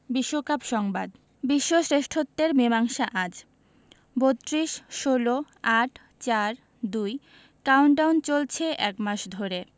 বিশ্বকাপ সংবাদ বিশ্ব শ্রেষ্ঠত্বের মীমাংসা আজ ৩২ ১৬ ৮ ৪ ২ কাউন্টডাউন চলছে এক মাস ধরে